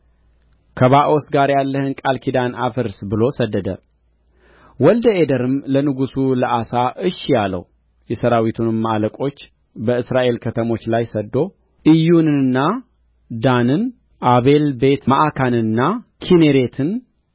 ከባኦስ ጋር ያለህን ቃል ኪዳን አፍርስ ብሎ ሰደደ ወልደ አዴርም ለንጉሡ ለአሳ እሺ አለው የሠራዊቱንም አለቆች በእስራኤል ከተሞች ላይ ሰድዶ ዒዮንንና ዳንን አቤልቤት መዓካንና ኪኔሬትን